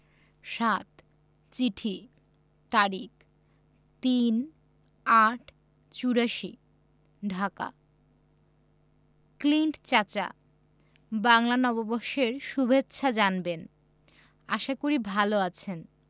৭ চিঠি তারিখ ৩-৮-৮৪ ঢাকা ক্লিন্ট চাচা বাংলা নববর্ষের সুভেচ্ছা জানবেন আশা করি ভালো আছেন